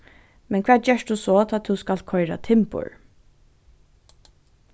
men hvat gert tú so tá tú skalt koyra timbur